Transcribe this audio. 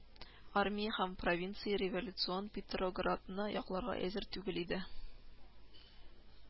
Армия һәм провинция революцион Петроградны якларга әзер түгел иде